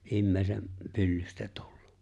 ihmisen pyllystä tullut